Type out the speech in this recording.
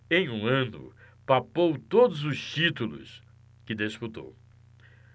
em um ano papou todos os títulos que disputou